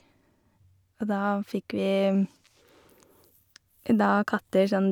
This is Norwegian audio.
Og da fikk vi da katter sånn...